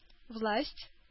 Власть